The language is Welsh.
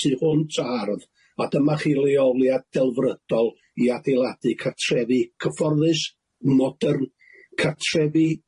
tu hwnt o hardd a dyma chi leoliad delfrydol i adeiladu cartrefi cyfforddus ,modyrn, cartrefi